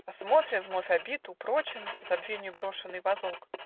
Осмотрен, вновь обит, упрочен Забвенью брошенный возок.